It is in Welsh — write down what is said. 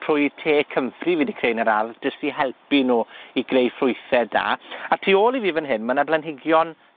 trwy tê comfry wi 'di creu yn yr ardd, jyst i helpu nw i greu ffrwythau da, a tu ôl i fi fy hyn ma' 'na blanhigion